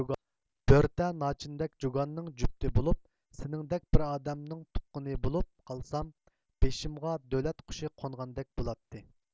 بۆرتە ناچىندەك جۇگاننىڭ جۈپتى بولۇپ سېنىڭدەك بىر ئادەمنىڭ تۇققىنى بولۇپ قالسام بېشىمغا دۆلەت قۇشى قونغاندەك بولاتتى